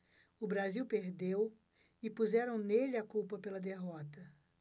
o brasil perdeu e puseram nele a culpa pela derrota